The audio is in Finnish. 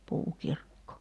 puukirkko